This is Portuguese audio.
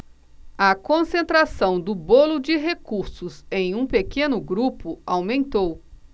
a concentração do bolo de recursos em um pequeno grupo aumentou